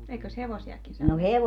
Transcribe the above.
eikös hevosiakin salvettu